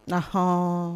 Naamuɔn